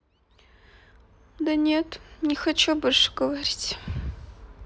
да нет не хочу больше говорить